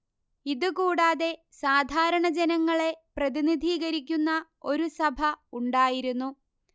ഇതു കൂടാതെ സാധാരണ ജനങ്ങളെ പ്രതിനിധീകരിക്കുന്ന ഒരു സഭ ഉണ്ടായിരുന്നു